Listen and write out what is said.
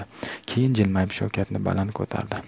keyin jilmayib shavkatni baland ko'tardi